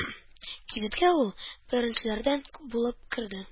Кибеткә ул беренчеләрдән булып керде.